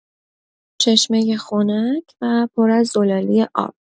چشمه خنک و پر از زلالی آب